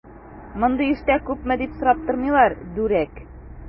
Мондый эштә күпме дип сорап тормыйлар, дүрәк!